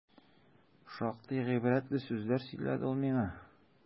Шактый гыйбрәтле сүзләр сөйләде ул миңа.